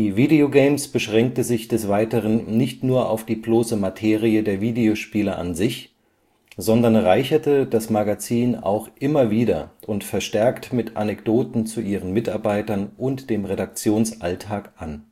Video Games beschränkte sich des Weiteren nicht nur auf die bloße Materie der Videospiele an sich, sondern reicherte das Magazin auch immer wieder und verstärkt mit Anekdoten zu ihren Mitarbeitern und dem Redaktionsalltag an